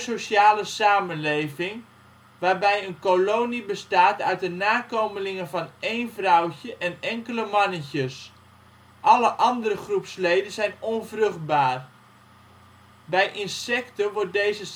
eusociale samenleving, waarbij een kolonie bestaat uit de nakomelingen van één vrouwtje en enkele mannetjes. Alle andere groepsleden zijn onvruchtbaar. Bij insecten wordt deze